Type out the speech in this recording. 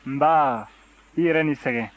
nba i yɛrɛ ni sɛgɛn